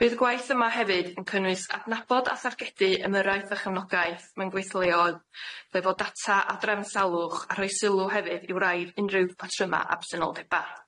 Bydd y gwaith yma hefyd yn cynnwys adnabod a thergedu ymyrraeth a chefnogaeth mewn gweithleuodd efo data adrefn salwch a rhoi sylw hefyd i wraidd unrhyw patryma' absenoldeba'.